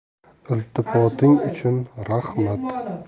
iltifoting uchun rahmat